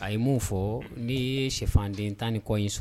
A ye mun fɔ ne ye sɛfanden tan ni kɔ in sɔrɔ